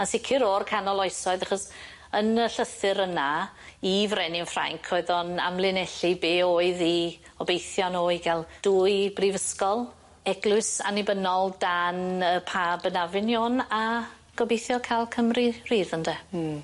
A sicir o'r canol oesoedd achos yn y llythyr yna i Frenin Ffrainc oedd o'n amlinellu be' oedd 'i obeithion o i ga'l dwy brifysgol eglwys annibynnol dan y Pab yn Avignon a gobeithio ca'l Cymru rhydd ynde? Hmm.